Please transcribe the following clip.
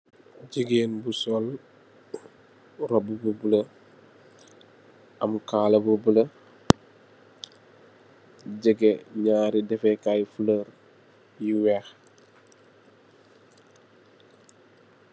Jigéen bu sol robbu bu bulo, am kala bi bulo, jègè naari deffèkaay fulor yu weeh.